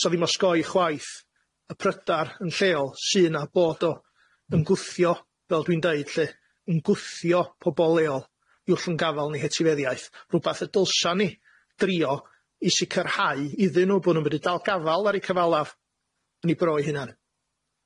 Sa ddim osgoi chwaith y prydar yn lleol sy'n a bod o yn gwthio, fel dwi'n deud lly, ymgwthio pobol leol i'w llyngafal neu hetifeddiaeth, rwbath y dylsan ni drio i sicirhau iddyn nw bo' nw'n mynd i dal gafal ar eu cyfalaf yn eu bro i hunan.